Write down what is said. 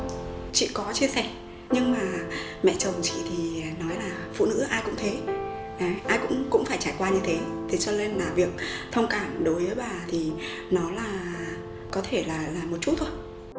chị có chia sẻ nhưng mà mẹ chồng chị thì nói là phụ nữ ai cũng thế đấy ai cũng cũng phải trải qua như thế thì cho nên là việc thông cảm đối với bà thì nó là có thể là là một chút thôi